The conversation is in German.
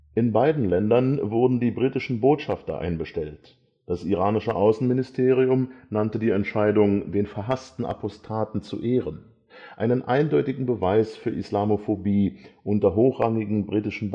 in beiden Ländern wurden die britischen Botschafter einbestellt. Das iranische Außenministerium nannte die Entscheidung, den „ verhassten Apostaten “zu ehren, einen eindeutigen Beweis für Islamophobie unter hochrangigen britischen